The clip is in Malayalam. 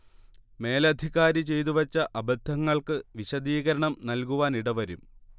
മേലധികാരി ചെയ്തു വെച്ച അബദ്ധങ്ങൾക്ക് വിശദീകരണം നൽകുവാനിടവരും